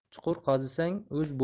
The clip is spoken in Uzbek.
chuqur qazisang o'z